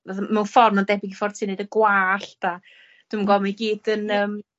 nath o... Mewn ffor ma'n debyg i'r ffor ti'n neud y gwallt a dwi'm yn g'o' ma' i gyd yn yym